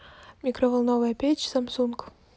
микроволновая печь samsung